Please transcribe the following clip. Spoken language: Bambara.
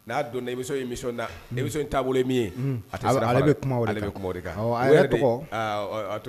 Na donna émission, émission na émission taabolo ye min ye ale be kuma o de kan . A yɛrɛ tɔgɔ ?